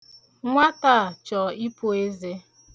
Nwata a chọ ipu eze.